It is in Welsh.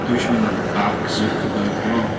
Dwi isio mynd am Bark Zuckerberg dwi'n meddwl.